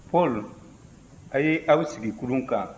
paul a ye aw sigi kurun kan